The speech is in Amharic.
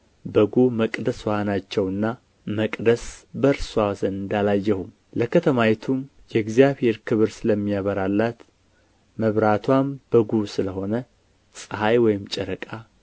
በጉ መቅደስዋ ናቸውና መቅደስ በእርስዋ ዘንድ አላየሁም ለከተማይቱም የእግዚአብሔር ክብር ስለሚያበራላት መብራትዋም በጉ ስለ ሆነ ፀሐይ ወይም ጨረቃ